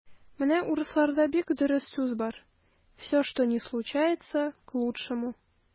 Менә урысларда бик дөрес сүз бар: "все, что ни случается - к лучшему".